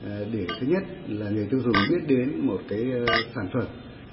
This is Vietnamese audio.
à để thứ nhất là người tiêu dùng biết đến một cái ơ sản phẩm